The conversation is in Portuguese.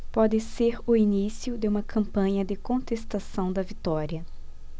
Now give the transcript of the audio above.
pode ser o início de uma campanha de contestação da vitória